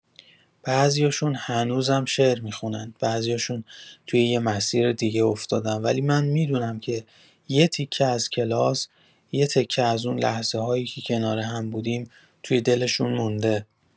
بعضیاشون هنوزم شعر می‌خونن، بعضیاشون توی یه مسیر دیگه افتادن، ولی من می‌دونم که یه تکه از این کلاس، یه تکه از اون لحظه‌هایی که کنار هم بودیم، توی دلشون مونده.